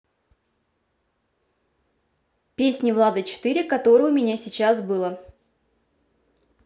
песни влада четыре которые у меня сейчас было